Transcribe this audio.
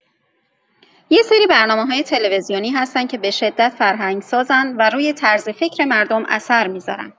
یه سری برنامه‌‌های تلویزیونی هستن که به‌شدت فرهنگ‌سازن و روی طرز فکر مردم اثر می‌ذارن.